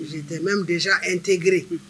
Te mɛ bilisiz e tɛ g